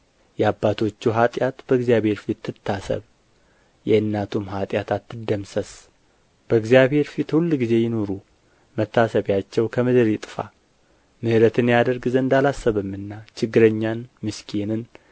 የአባቶቹ ኃጢአት በእግዚአብሔር ፊት ትታሰብ የእናቱም ኃጢአት አትደምሰስ በእግዚአብሔር ፊት ሁልጊዜ ይኑሩ መታሰቢያቸው ከምድር ይጥፋ ምሕረትን ያደርግ ዘንድ አላሰበምና ችግረኛንና ምስኪንን